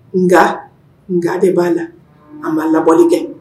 Nka nka de b'a la a ma labɔli kɛ